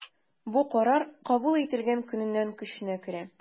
Бу карар кабул ителгән көннән көченә керә.